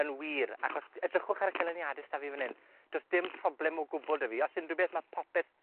yn wir, achos edrychwch ar y canlyniade s'da fi fan 'yn, do's dim problem o gwbwl 'da fi, os unryw beth, ma' popeth